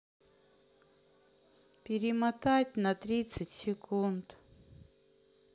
перемотать на тридцать секунд